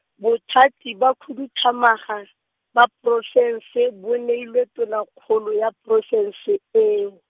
bothati ba bokhuduthamaga, ba porofense bo neilwe tonakgolo ya porofense eo.